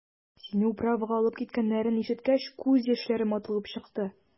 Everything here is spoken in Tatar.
Сине «управа»га алып киткәннәрен ишеткәч, күз яшьләрем атылып чыкты.